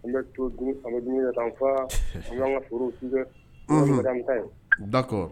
N bɛ to dun kanfa an ka foro si ye ba